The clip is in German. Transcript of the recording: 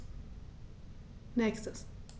Nächstes.